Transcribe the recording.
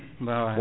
bawa hen